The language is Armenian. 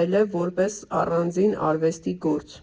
այլև որպես առանձին արվեստի գործ։